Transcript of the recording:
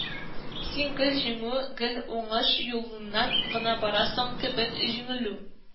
Син гел җиңү, гел уңыш юлыннан гына барасың кебек, җиңелү